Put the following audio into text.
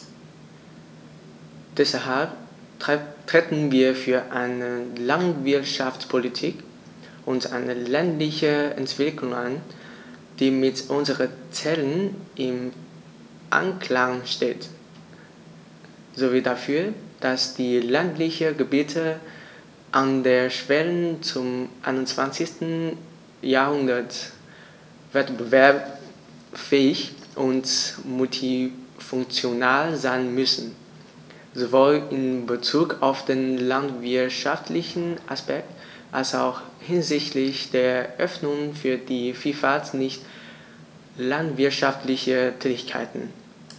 Deshalb treten wir für eine Landwirtschaftspolitik und eine ländliche Entwicklung ein, die mit unseren Zielen im Einklang steht, sowie dafür, dass die ländlichen Gebiete an der Schwelle zum 21. Jahrhundert wettbewerbsfähig und multifunktional sein müssen, sowohl in Bezug auf den landwirtschaftlichen Aspekt als auch hinsichtlich der Öffnung für die Vielfalt nicht landwirtschaftlicher Tätigkeiten.